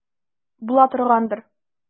Була торгандыр.